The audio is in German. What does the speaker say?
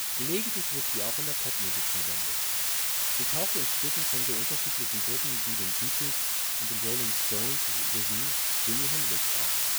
Gelegentlich wird sie auch in der Pop-Musik verwendet; sie taucht in Stücken von so unterschiedlichen Gruppen wie den Beatles und den Rolling Stones sowie Jimi Hendrix auf